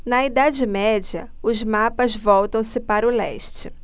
na idade média os mapas voltam-se para o leste